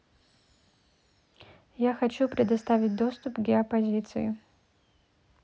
я хочу предоставить доступ к геопозиции